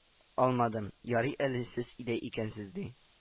Алмадым, ярый әле сез өйдә икәнсез, ди